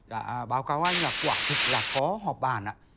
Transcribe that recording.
dạ báo cáo anh là quả thực là có họp bàn ạ